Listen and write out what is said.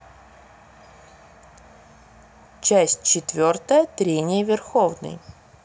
часть четвертая трения верховный